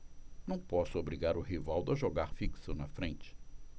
não posso obrigar o rivaldo a jogar fixo na frente